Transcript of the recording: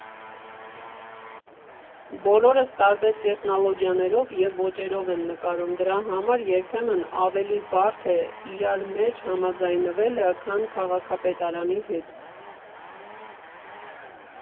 Բոլորս տարբեր տեխնոլոգիաներով և ոճերով են նկարում, դրա համար երբեմն ավելի բարդ է իրար մեջ համաձայնվելը, քան քաղաքապետարանի հետ։